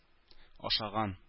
Ашаган